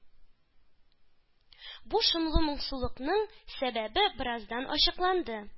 Бу шомлы моңсулыкның сәбәбе бераздан ачыкланды: